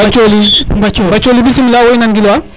mbathioli Mbathioli bismila wo i nan gilwa